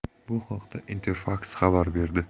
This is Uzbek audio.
bu haqda interfaks xabar berdi